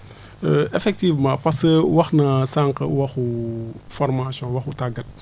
effectivement parce que wax na sànq waxu formation waxu tàggat